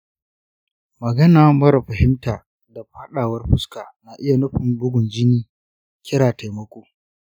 magana mara fahimta da faɗawar fuska na iya nufin bugun jini, kira taimako.